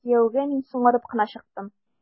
Кияүгә мин соңарып кына чыктым.